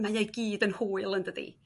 mae o i gyd yn hwyl yn dydi?